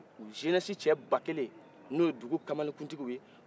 u jeunesse cɛ bakelen n'o ye dugu kamalenhuntigiw ye